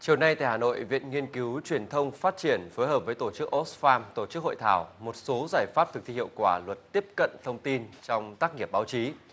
chiều nay tại hà nội viện nghiên cứu truyền thông phát triển phối hợp với tổ chức ốt pham tổ chức hội thảo một số giải pháp thực thi hiệu quả luật tiếp cận thông tin trong tác nghiệp báo chí